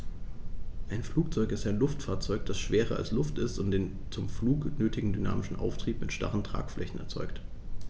Ein Flugzeug ist ein Luftfahrzeug, das schwerer als Luft ist und den zum Flug nötigen dynamischen Auftrieb mit starren Tragflächen erzeugt.